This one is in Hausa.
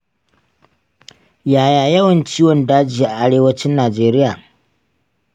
yaya yawan ciwon daji a arewacin najeriya?